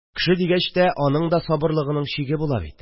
Кеше дигәч тә, аның да сабырлыгының чиге була бит